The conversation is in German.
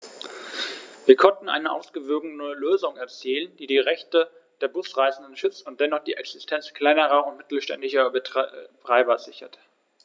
Wir konnten eine ausgewogene Lösung erzielen, die die Rechte der Busreisenden schützt und dennoch die Existenz kleiner und mittelständischer Betreiber sichert.